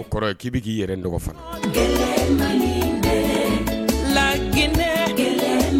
O kɔrɔ ki bɛ k ii yɛrɛ n tɔgɔ lakɛnɛ